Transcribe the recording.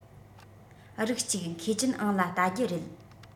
རིགས གཅིག མཁས ཅན ཨང ལ བལྟ རྒྱུ རེད